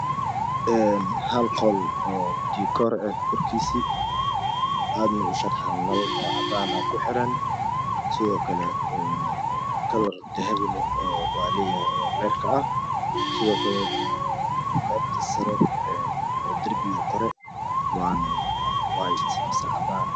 Hal qol oo jikor ah korkiisa oo adan usharaxan nal oo cadan ku xiran sidookle kalar oo dahapina waa leyahy sidoo kle qeebta sarane oo darpiga Koran waa cadaan